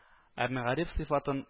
Ә мәгариф сыйфатын